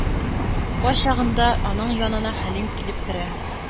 Кайчагында аның янына Хәлим килеп керә.